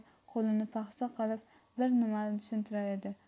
qo'lini paxsa qilib bir nimani tushuntirar edi